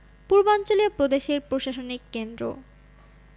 পূর্বাঞ্চলীয় প্রদেশের প্রশাসনিক কেন্দ্র